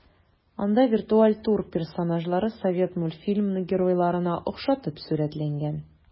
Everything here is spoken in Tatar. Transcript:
Анда виртуаль тур персонажлары совет мультфильмы геройларына охшатып сурәтләнгән.